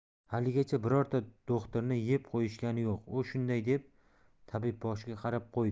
haligacha birorta do'xtirni yeb qo'yishgani yo'q u shunday deb tabibboshiga qarab qo'ydi